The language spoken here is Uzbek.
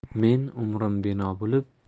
men umrim bino bo'lib